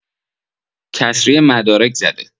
کسری مدارک زده